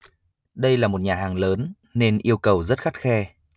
đây là một nhà hàng lớn nên yêu cầu rất khắt khe